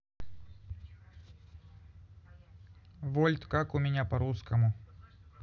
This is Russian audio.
вольт как у меня по русскому